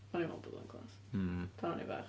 O'n i'n meddwl bod o'n class... mm... Pan o'n i'n fach.